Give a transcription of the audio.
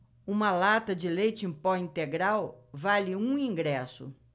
uma lata de leite em pó integral vale um ingresso